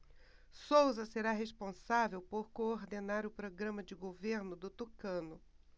souza será responsável por coordenar o programa de governo do tucano